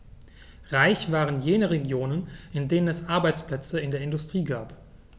Reich waren jene Regionen, in denen es Arbeitsplätze in der Industrie gab.